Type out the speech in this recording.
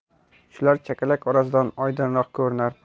shular chakalak orasidan oydinroq ko'rinar